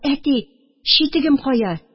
Әти, читегем кая